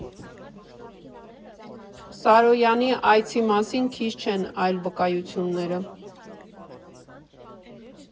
Սարոյանի այցի մասին քիչ չեն այլ վկայությունները։